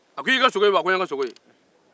a ko i'y'i ka sogo ye wa